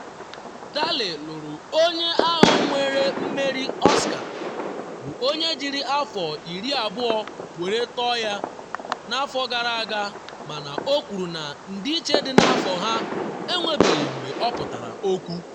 Daley lụrụ onye ahụ were mmeri Oscar, bụ onye jiri afọ 20 were tọọ ya, n’afọ gara aga mana o kwuru na ndịiche dị n’afọ ha enwebeghị mgbe ọ pụtara okwu.